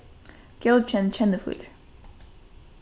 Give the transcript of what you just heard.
góðkenn kennifílur